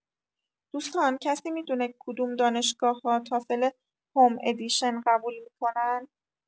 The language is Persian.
دوستان کسی می‌دونه کدوم دانشگاه‌‌ها تافل هوم ادیشن قبول می‌کنن؟